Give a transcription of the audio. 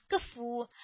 КэФэУ